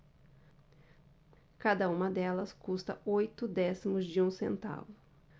cada uma delas custa oito décimos de um centavo